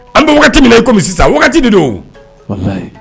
An bɛ wagati min na i kɔmi sisan wagati de don